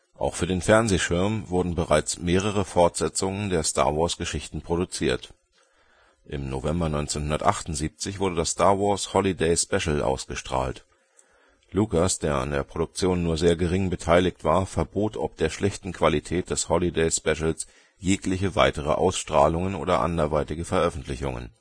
Auch für den Fernsehschirm wurden bereits mehrere Fortsetzungen der Star-Wars-Geschichten produziert. Im November 1978 wurde das Star Wars Holiday Special ausgestrahlt. Lucas, der an der Produktion nur sehr gering beteiligt war, verbot ob der schlechten Qualität des Holiday Specials jegliche weitere Ausstrahlungen oder anderweitige Veröffentlichungen